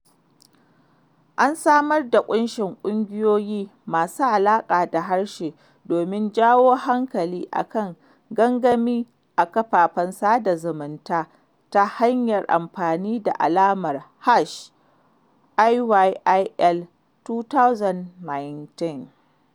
An samar da ƙunshin ƙungiyoyi masu alaƙa da harshe domin jawo hankali a kan gangamin a kafafen sada zumunta ta hanyar amfani da alamar hash #IYIL2019.